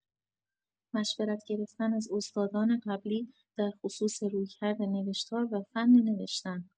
مشورت گرفتن از استادان قبلی در خصوص رویکرد نوشتار و فن نوشتن